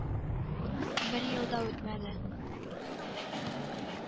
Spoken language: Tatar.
Бер ел да үтмәде